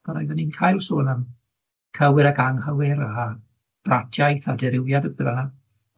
pan oeddwn i'n cael sôn am cywir ac anghywir a bratiaith a derywiad